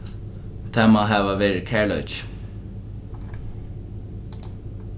tað má hava verið kærleiki